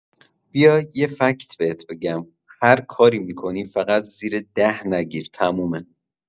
بیا یه فکت بهت بگم، هرکار می‌کنی فقط زیر ۱۰ نگیر تمومه!